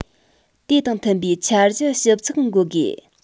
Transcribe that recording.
དེ དང མཐུན པའི འཆར གཞི ཞིབ ཚགས འགོད དགོས